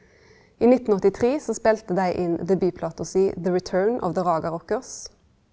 i 1983 så spelte dei inn debutplata si The Return of the Raga Rockers.